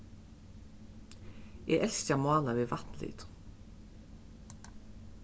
eg elski at mála við vatnlitum